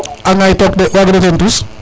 a ŋay took de wagiro ten tus